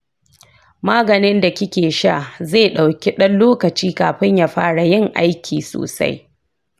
maganin da kike sha zai ɗauki ɗan lokaci kafin ya fara yin aiki sosai.